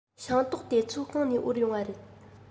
ཤིང ཏོག དེ ཚོ གང ནས དབོར ཡོང བ རེད